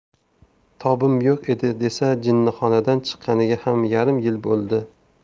tobim yo'q edi desa jinnixonadan chiqqaniga ham yarim yil bo'ldi